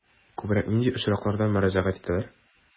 Күбрәк нинди очракларда мөрәҗәгать итәләр?